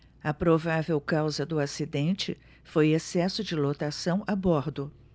a provável causa do acidente foi excesso de lotação a bordo